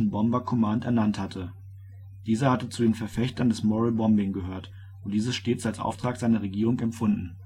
Bomber Command ernannt hatte. Dieser hatte zu den Verfechtern des " moral bombing " gehört und dieses stets als Auftrag seiner Regierung empfunden